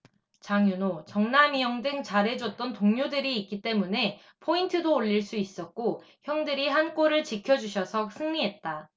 장윤호 정남이형 등 잘해줬던 동료들이 있기 때문에 포인트도 올릴 수 있었고 형들이 한골을 지켜주셔서 승리했다